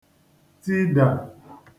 tidà